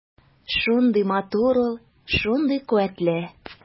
Шундый матур ул, шундый куәтле.